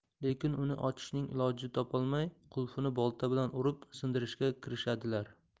lekin uni ochishning ilojini topolmay qulfini bolta bilan urib sindirishga kirishadilar